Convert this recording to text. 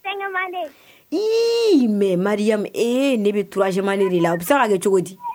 Mɛma ne bɛurasima de la a bɛ se a kɛ cogo di